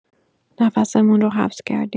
نفسمون رو حبس کردیم.